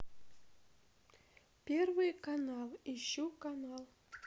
первый канал ищу канал